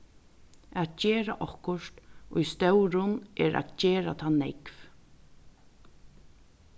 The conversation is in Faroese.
at gera okkurt í stórum er at gera tað nógv